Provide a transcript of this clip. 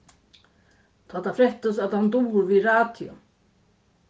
tá tað frættist at hann dugir við radio